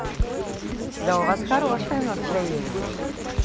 да у вас хорошее настроение